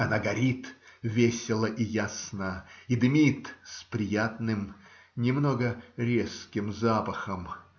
Она горит весело и ясно и дымит с приятным, немного резким запахом.